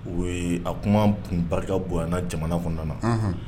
Oui a kuma b kun barika boɲana jamana kɔnɔna na unhun